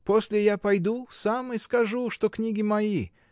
После я пойду сам и скажу, что книги мои.